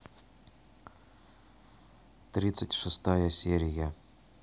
тридцать шестая серия